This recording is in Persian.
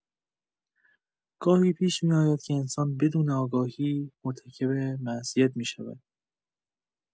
گاهی پیش می‌آید که انسان بدون آگاهی مرتکب معصیت می‌شود.